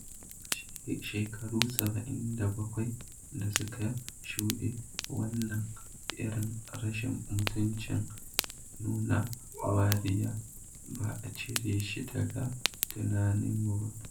Shekaru 77 da suka shuɗe wannan [irin rashin mutuncin nuna wariya] ba a cire shi daga tunaninmu ba.